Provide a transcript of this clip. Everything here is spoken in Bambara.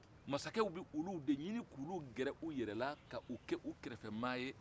masakɛw de bɛ olu gɛrɛ olu yɛrɛ la k'u u kɛrɛfɛmɔgɔ ye